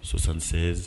Sosansen